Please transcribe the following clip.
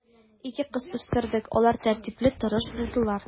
Ике кыз үстердек, алар тәртипле, тырыш булдылар.